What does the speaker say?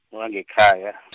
wangekhaya .